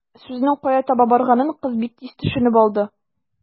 Сүзнең кая таба барганын кыз бик тиз төшенеп алды.